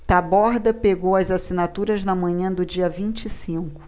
taborda pegou as assinaturas na manhã do dia vinte e cinco